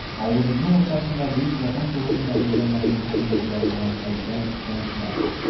Авылыбызның уртасында Бөек Ватан сугышында үлгәннәрнең исемлеге язылган һәйкәл-стенд бар.